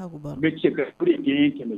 N bɛ cɛ ka